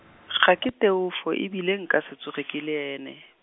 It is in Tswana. ga ke Teofo e bile nka se tsoge ke le ene.